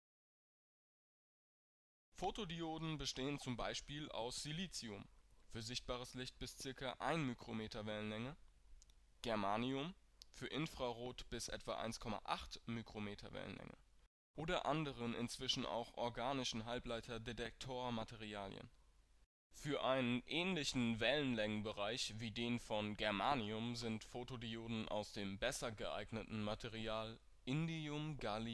Photodioden bestehen zum Beispiel aus Silizium (für sichtbares Licht bis ca. 1 µm Wellenlänge), Germanium (für Infrarot bis etwa 1,8 µm Wellenlänge) oder anderen, inzwischen auch organischen Halbleiterdetektor-Materialien. Für einen ähnlichen Wellenlängenbereich wie den von Germanium sind Photodioden aus dem besser geeigneten Material InGaAs